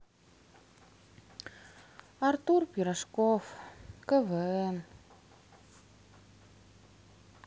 артур пирожков квн